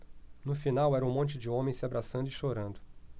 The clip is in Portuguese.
no final era um monte de homens se abraçando e chorando